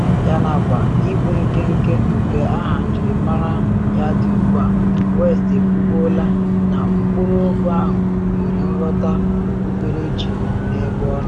Yanakwa ịbụ nkenke nke aha njirimara ya dị ugbu a, West ekwubuola na mkpụrụokwu ahụ nwere nghọta okpukperechi n’ebe ọ nọ.